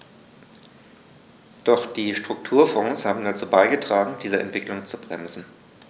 Doch die Strukturfonds haben dazu beigetragen, diese Entwicklung zu bremsen.